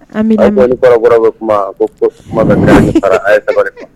An b'i lamɛ aw dɔ ni kɔrɔbɔrɔ be kumaa ko fosi mana n'a e fara a' ye sabari quoi